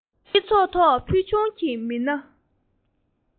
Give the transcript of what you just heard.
སྤྱི ཚོགས ཐོག ཕུལ བྱུང གི མི སྣ